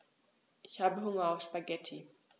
Ich habe Hunger auf Spaghetti.